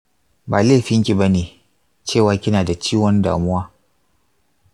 ba laifinki bane cewa kina da ciwon damuwa.